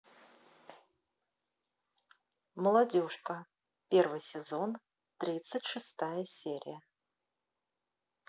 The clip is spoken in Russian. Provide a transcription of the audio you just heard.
молодежка первый сезон тридцать шестая серия